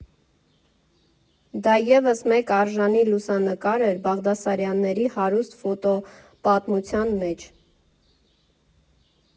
Դա ևս մեկ արժանի լուսանկար էր Բաղդասարյանների հարուստ ֆոտոպատմության մեջ։